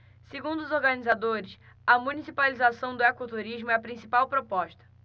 segundo os organizadores a municipalização do ecoturismo é a principal proposta